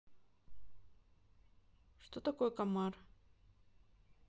что такое комар